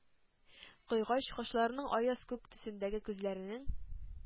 Кыйгач кашларының, аяз күк төсендәге күзләренең,